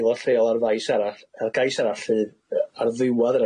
aelod lleol ar faes arall yy ar gais arall 'lly yy ar ddiwadd